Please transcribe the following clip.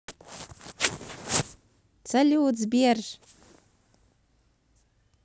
салют сбер ж